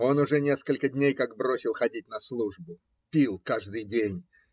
Он уже несколько дней как бросил ходить на службу. Пил каждый день.